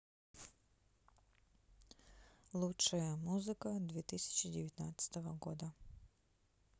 лучшая музыка две тысячи девятнадцатого года